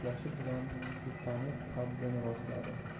bilan siltanib qaddini rostladi